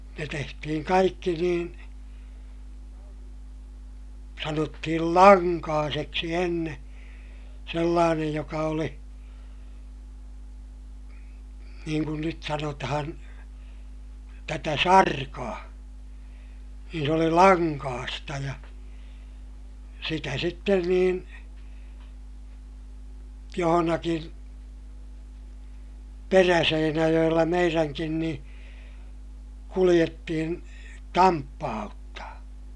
ne tehtiin kaikki niin sanottiin lankaiseksi ennen sellainen joka oli niin kuin nyt sanotaan tätä sarkaa niin se oli lankaista ja sitä sitten niin jossakin Peräseinäjoella meidänkin niin kuljettiin tamppauttaa